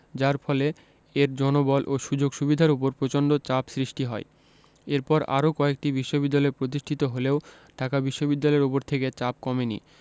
যার ফলে এর জনবল ও সুযোগ সুবিধার ওপর প্রচন্ড চাপ সৃষ্টি হয় এরপর আরও কয়েকটি বিশ্ববিদ্যালয় প্রতিষ্ঠিত হলেও ঢাকা বিশ্ববিদ্যালয়ের ওপর থেকে চাপ কমেনি